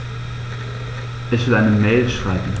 Ich will eine Mail schreiben.